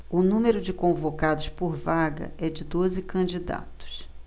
o número de convocados por vaga é de doze candidatos